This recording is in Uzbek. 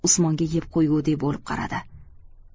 usmonga yeb qo'ygudek bo'lib qaradi